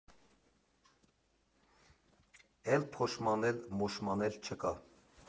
֊Էլ փոշմանել֊մոշմանել չկա։